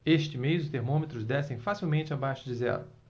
este mês os termômetros descem facilmente abaixo de zero